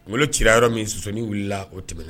Kungolo ci la yɔrɔ min na, sɔsonin wulila o tɛmɛn na!